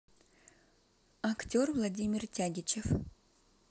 актер владимир тягичев